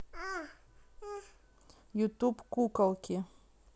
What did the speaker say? ютуб куколки